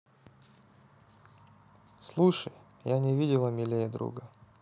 слушай я не видела милее друга